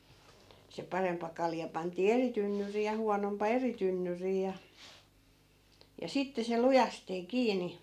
se parempi kalja pantiin eri tynnyriin ja huonompi eri tynnyriin ja ja sitten se lujasti kiinni